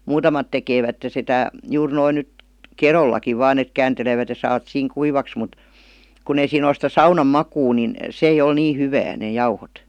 muutamat tekevät sitä juuri noin nyt kedollakin vain että kääntelevät ja saavat siinä kuivaksi mutta kun ei siinä ole sitä saunan makua niin se ei ole niin hyvää ne jauhot